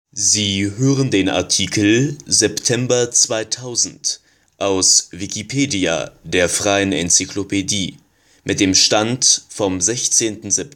Sie hören den Artikel September 2000, aus Wikipedia, der freien Enzyklopädie. Mit dem Stand vom Der